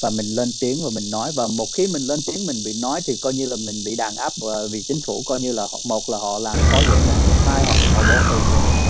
và mình lên tiếng và mình nói và một khi mình lên tiếng mình bị nói thì coi như là mình bị đàn áp bởi vì chính phủ coi như là một là họ làm khó dễ mình hai hoặc họ bỏ tù mình